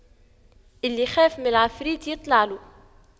اللي يخاف من العفريت يطلع له